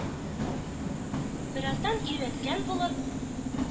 Бераздан: “Өйрәткән булып,